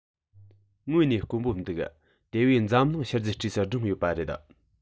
དངོས གནས དཀོན པོ འདུག དེ བས འཛམ གླིང ཤུལ རྫས གྲས སུ བསྒྲེངས ཡོད པ རེད